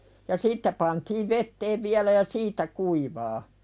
ja siitä pantiin veteen vielä ja siitä kuivaa